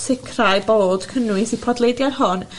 sicrau bod cynnwys y podleidiad hwn